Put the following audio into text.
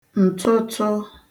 ǹtụtụ